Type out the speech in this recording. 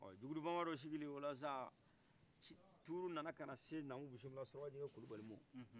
ɔ jugudu banbadɔ sigile ola sa turu nana kana se namu bisimila surakajɛkɛ kulubalima